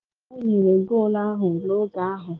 Anyị nwere ihu ọma na ọ nyere goolu ahụ n’oge ahụ.”